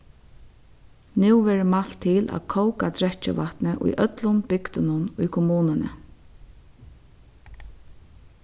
nú verður mælt til at kóka drekkivatnið í øllum bygdunum í kommununi